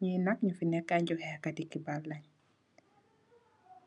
njii nak nju fii neka aiiy jokheh kati khibarr len.